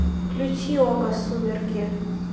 включи окко сумерки